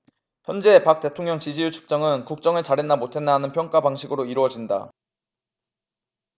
현재 박 대통령 지지율 측정은 국정을 잘했나 못했나 하는 평가 방식으로 이루어진다